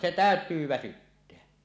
se täytyy väsyttää